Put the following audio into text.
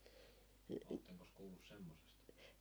olettekos kuullut semmoisesta